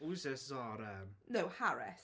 Who's this Zara 'en?... No, Harris.